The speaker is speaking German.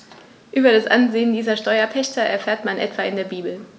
Über das Ansehen dieser Steuerpächter erfährt man etwa in der Bibel.